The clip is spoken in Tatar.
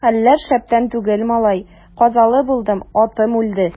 Хәлләр шәптән түгел, малай, казалы булдым, атым үлде.